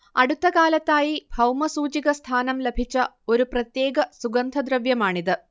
അടുത്തകാലത്തായി ഭൗമസൂചിക സ്ഥാനം ലഭിച്ച ഒരു പ്രത്യേക സുഗന്ധദ്രവ്യമാണിത്